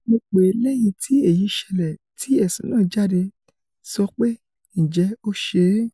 Mo pè é lẹ́yìn tí èyí ṣẹlẹ̀, tí ẹ̀sùn náà jáde, sọ pé 'Ǹjẹ́ ó ṣe é?'